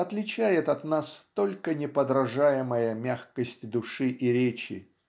отличает от нас только неподражаемая мягкость души и речи.